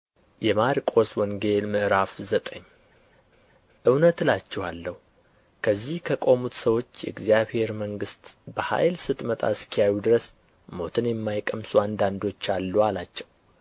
የማርቆስ ወንጌል ምዕራፍ ዘጠኝ እውነት እላችኋለሁ በዚህ ከቆሙት ሰዎች የእግዚአብሔር መንግሥት በኃይል ስትመጣ እስኪያዩ ድረስ ሞትን የማይቀምሱ አንዳንዶች አሉ አላቸው